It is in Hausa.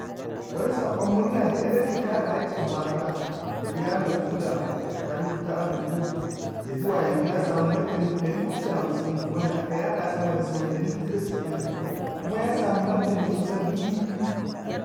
Wani saƙon murna da 'yar rajin kare haƙƙin mata Eliana Nzualo ta rubuta a Fesbuk, ya zuwa yanzu ya samu martani 450, wanda aka yaɗa sama da sau 460, kuma ya samu martani kusan 2,000: